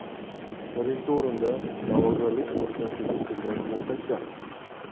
birinchi o'ringa da'vogarlik qilishdan cho'chib turgan bo'lsak